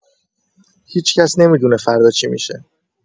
هیچ‌کس نمی‌دونه فردا چی می‌شه.